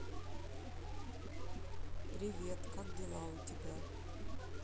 привет как дела у тебя